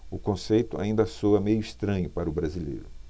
o conceito ainda soa meio estranho para o brasileiro